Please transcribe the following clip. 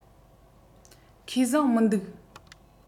ཁེ བཟང མི འདུག